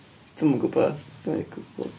Dwi ddim yn gwybod, ddim o gwbl.